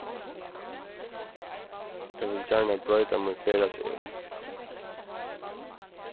eg vil gjarna broyta mín ferðaseðil